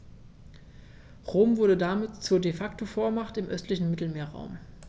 Rom wurde damit zur ‚De-Facto-Vormacht‘ im östlichen Mittelmeerraum.